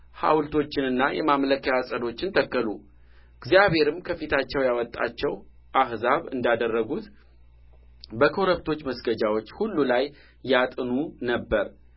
ሐውልቶችንና የማምለኪያ ዐፀዶችን ተከሉ እግዚአብሔርም ከፊታቸው ያወጣቸው አሕዛብ እንዳደረጉት በኮረብቶቹ መስገጃዎች ሁሉ ላይ ያጥኑ ነበር